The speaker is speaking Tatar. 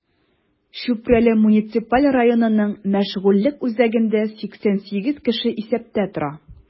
Чүпрәле муниципаль районының мәшгульлек үзәгендә 88 кеше исәптә тора.